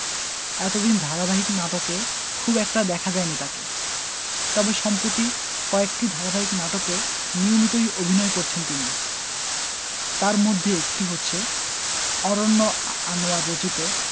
এতদিন ধারাবাহিক নাটকে খুব একটা দেখা যায়নি তাকে তবে সম্প্রতি কয়েকটি ধারাবাহিক নাটকে নিয়মিতই অভিনয় করছেন তিনি তার মধ্যে একটি হচ্ছে অরন্য আনোয়ার রচিত